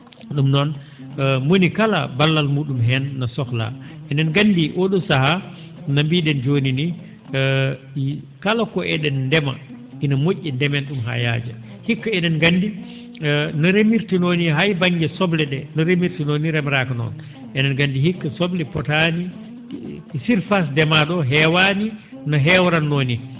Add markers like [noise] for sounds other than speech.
?um noon [hesitation] mo woni kala ballal mu?um heen ne sohlaa enen nganndi oo ?oo sahaa no mbii?en jooni nii [hesitation] kala ko e?en ndema ina mo??i ndemen ?um haa yaaja hikka e?en nganndi [hesitation] no remirtenoo nii hay ba?nge soble ?ee no remirtenoo nii remiraaka noon enen nganndi hikka soble potaani [hesitation] surface ndemaa?o heewaani no heewratnoo nii